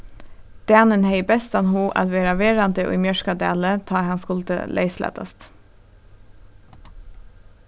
danin hevði bestan hug at verða verandi í mjørkadali tá hann skuldi leyslatast